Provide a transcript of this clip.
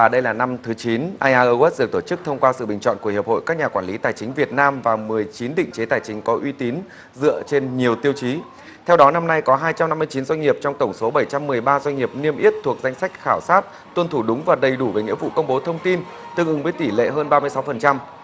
và đây là năm thứ chín ai ơ guốc được tổ chức thông qua sự bình chọn của hiệp hội các nhà quản lý tài chính việt nam và mười chín định chế tài chính có uy tín dựa trên nhiều tiêu chí theo đó năm nay có hai trăm năm mươi chín doanh nghiệp trong tổng số bảy trăm mười ba doanh nghiệp niêm yết thuộc danh sách khảo sát tuân thủ đúng và đầy đủ về nghĩa vụ công bố thông tin tương ứng với tỷ lệ hơn ba mươi sáu phần trăm